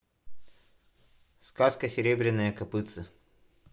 сказка серебряное копытце